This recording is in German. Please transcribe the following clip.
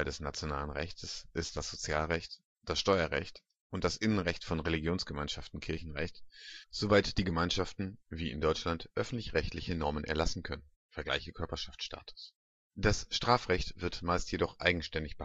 Sozialrecht Steuerrecht Innenrecht von Religionsgemeinschaften (Kirchenrecht), soweit die Gemeinschaften wie in Deutschland öffentlich-rechtliche Normen erlassen können (vgl. Körperschaftsstatus) Strafrecht (meist jedoch eigenständig